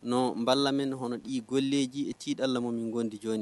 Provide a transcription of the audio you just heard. Nɔn n nba'a lam h' gole t'ida la mingdijɔni